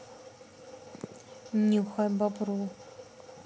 нюхай бобру